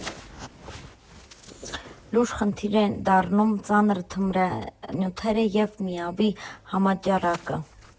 Լուրջ խնդիր են դառնում ծանր թմրանյութերը և ՄԻԱՎ֊ի համաճարակը։